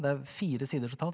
det fire sider totalt.